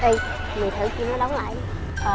hây mày thử kêu nó đóng